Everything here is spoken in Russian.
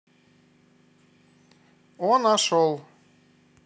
о нашел